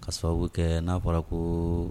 Karisa kɛ n'a fɔra ko